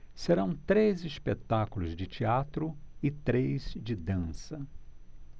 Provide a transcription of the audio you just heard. serão três espetáculos de teatro e três de dança